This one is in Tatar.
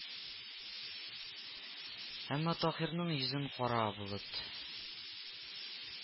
Әмма Таһирның йөзен кара болыт